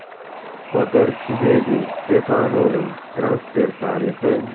footarchivedi stefanoning transfer tarixi